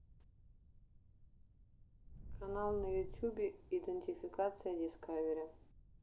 канал на ютубе идентификация дискавери